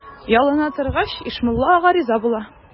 Ялына торгач, Ишмулла ага риза була.